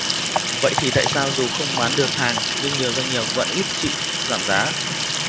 vậy thì tại sao dù không bán được hàng nhưng nhiều doanh nghiệp vẫn ít chịu giảm giá